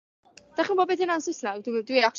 'Da chi'n gw'bod be 'di hynna'n Sysnaig? Dwi dwi actually